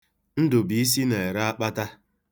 Ndụbụisi na-ere akpata.